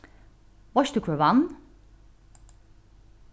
veitst tú hvør vann